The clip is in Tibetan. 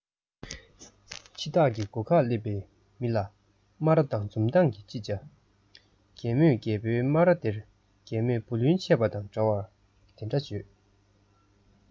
འཆི བདག གི སྒོ ཁར སླེབས པའི མི ལ སྨ ར དང འཛུམ མདངས ཀྱིས ཅི བྱ རྒན མོས རྒད པོའི སྨ ར དེར རྒན མོས བུ ལོན ཆད པ དང འདྲ བར འདི འདྲ བརྗོད